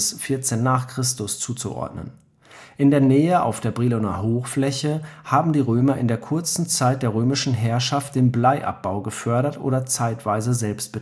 14 n. Chr.) zuzuordnen. In der Nähe, auf der Briloner Hochfläche, haben die Römer in der kurzen Zeit der römischen Herrschaft den Bleiabbau gefördert oder zeitweise selbst